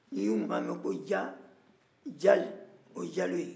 n'i y'u mankan mɛn ko jal o ye jalo ye